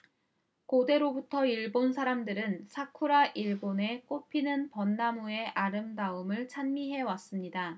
고대로부터 일본 사람들은 사쿠라 일본의 꽃피는 벚나무 의 아름다움을 찬미해 왔습니다